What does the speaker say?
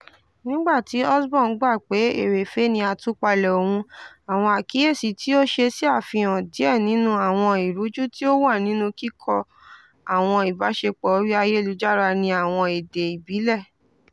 Nígbà tí Osborn gbà pé èrèfèé ni àtúpalẹ̀ òun, àwọn àkíyèsí tí ó ṣe ṣe àfihàn díẹ̀ nínú àwọn ìrújú tí ó wà nínú kíkọ́ àwọn ìbáṣepọ̀ orí ayélujára ní àwọn èdè ìbílẹ̀.